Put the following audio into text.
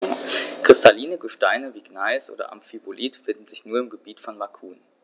Kristalline Gesteine wie Gneis oder Amphibolit finden sich nur im Gebiet von Macun.